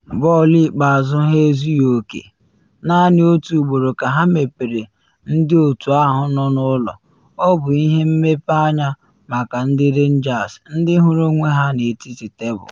Bọọlụ ikpeazụ ha ezughi oke - naanị otu ugboro ka ha mepere ndị otu ahụ nọ n’ụlọ, ọ bụ ihe mmepe anya maka ndị Rangers, ndị hụrụ onwe ha n’etiti tebul.